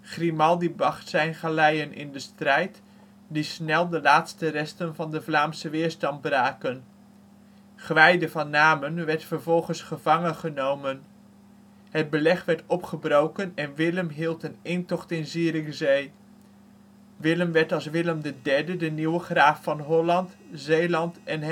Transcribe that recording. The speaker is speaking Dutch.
Grimaldi bracht zijn galeien in de strijd, die snel de laatste resten van de Vlaamse weerstand braken. Gwijde van Namen werd vervolgens gevangen genomen. Het beleg werd opgebroken en Willem hield een intocht in Zierikzee. Willem werd als Willem III de nieuwe graaf van Holland, Zeeland en